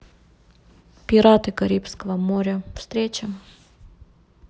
пираты карибского моря встреча